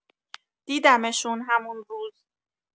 دیدمشون همون روز